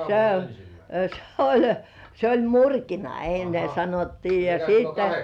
se se oli se oli murkina ennen sanottiin ja sitten